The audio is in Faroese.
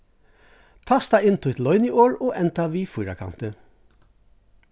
tasta inn títt loyniorð og enda við fýrakanti